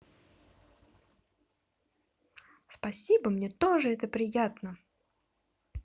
спасибо мне тоже это приятно